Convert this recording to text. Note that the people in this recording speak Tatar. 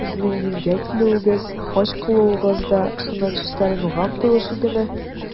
Сезнең дингә килүегез, хаҗ кылуыгыз да шуннан чистарынуга омтылыш идеме?